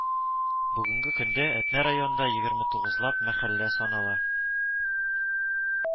Бүгенге көндә Әтнә районында егерме тугызлап мәхәлллә санала